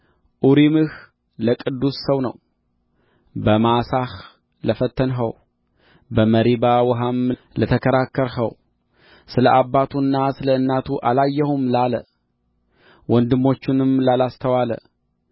ኡሪምህ ለቅዱስህ ሰው ነው በማሳህ ለፈተንኸው በመሪባ ውኃም ለተከራከርኸው ስለ አባቱና ስለ እናቱ አላየሁም ላለ ወንድሞቹንም ላላስተዋለ